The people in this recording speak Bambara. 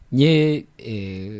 N ye e